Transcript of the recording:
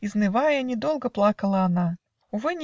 изнывая, Не долго плакала она. Увы!